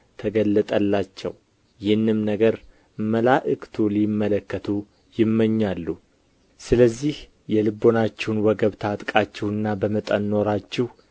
ተገለጠላቸው ይህንም ነገር መላእክቱ ሊመለከቱ ይመኛሉ ስለዚህ የልቡናችሁን ወገብ ታጥቃችሁና በመጠን ኖራችሁ